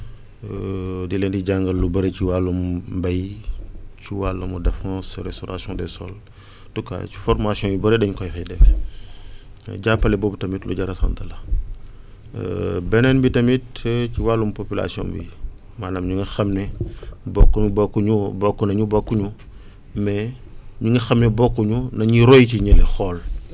di leen di jàngal lu bëri ci wàllum mbéy ci wàllum défense restauration des sols stockage formation yu bëri dañ ko fay defee jàppale boobu tamit lu jar a sant la beneen bi tamit ci wàllum population bi maanaam ñu nga xam ne bokkuñ bokkuñu bokku nañ bokkuñu mais ñi nga xam ne bokkuñu na ñuy roy ci ñële xool